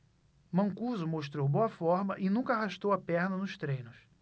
mancuso mostrou boa forma e nunca arrastou a perna nos treinos